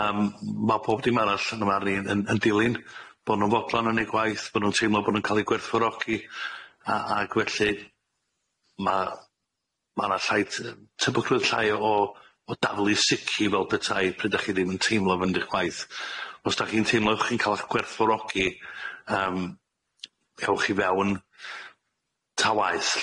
Yym ma' pob dim arall yn ymharu yn yn dilyn bo' nw'n fodlon yn neud gwaith bo' nw'n teimlo bo' nw'n ca'l 'u gwerthfawrogi a ag felly ma' ma' 'na llai ty- tebygrwydd llai o daflu sici fel petai pryd 'dach chi ddim yn teimlo fynd i'ch gwaith, os 'dach chi'n teimlo 'ych chi'n ca'l 'ych gwerthfawrogi yym, ewch i fewn ta waeth lly,